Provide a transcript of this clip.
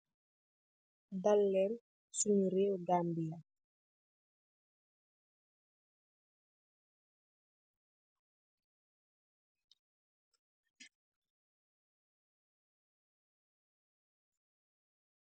Dallen sunyew rehwuu Gambia.